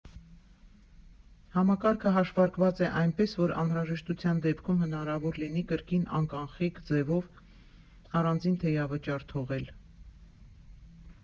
Համակարգը հաշվարկված է այնպես, որ անհրաժեշտության դեպքում հնարավոր լինի կրկին անկախնիկ ձևով առանձին թեյավճար թողել։